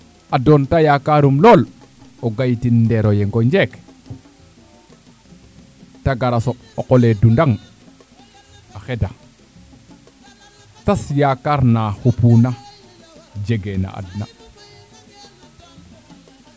a doon ta yaakarum lool o gay tin ndeero yengo njeek te gar a soɓ o qole dundaŋa xeda tas yaakar na xupuna jege na ad na